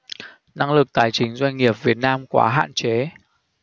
năng lực tài chính doanh nghiệp việt nam quá hạn chế